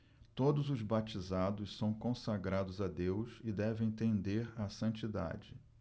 todos os batizados são consagrados a deus e devem tender à santidade